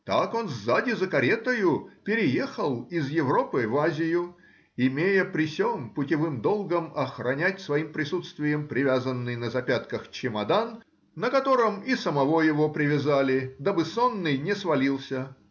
Так он сзади за каретою переехал из Европы в Азию, имея при сем путевым долгом охранять своим присутствием привязанный на запятках чемодан, на котором и самого его привязали, дабы сонный не свалился.